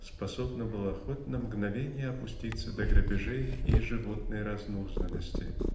способна была хоть на мгновение опуститься до грабежей и животной разнузданности?